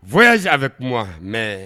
Voyage avec moi, mais